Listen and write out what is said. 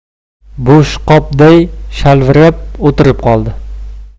bo'sh qopday shalvirab o'tirib qoldi